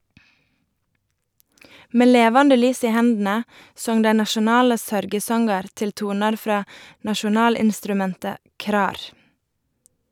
Med levande lys i hendene song dei nasjonale sørgesongar til tonar frå nasjonalinstrumentet krar.